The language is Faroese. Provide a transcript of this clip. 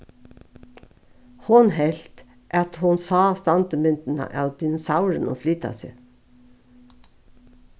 hon helt at hon sá standmyndina av dinosaurinum flyta seg